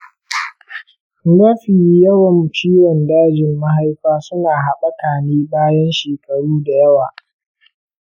mafi yawan ciwon dajin mahaifa su na haɓaka ne bayan shekaru da yawa.